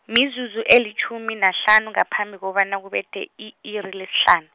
mizuzu elitjhumi nahlanu ngaphambi kobana kubethe, i-iri, lesihlanu.